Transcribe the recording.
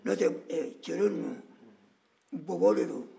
n'o tɛ cero ninnu bɔbɔw de don